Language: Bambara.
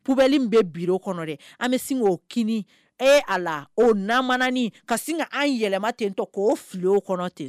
Ppbelen bɛ bi kɔnɔ de an bɛ sin k oo k e a la o na ka sin an yɛlɛma ten tɔ k'o fi o kɔnɔ ten